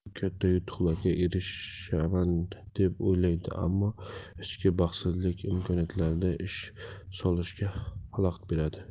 u katta yutuqlarga erishaman deb o'ylaydi ammo ichki baxtsizlik imkoniyatlarini ishga solishiga xalaqit beradi